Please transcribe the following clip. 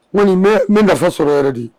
Kɔni nin n bɛ nafa sɔrɔ yɛrɛ di